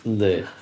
Yndi.